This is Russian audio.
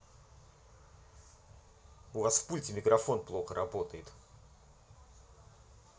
у вас в пульте микрофон плохо работает